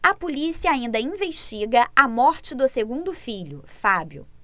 a polícia ainda investiga a morte do segundo filho fábio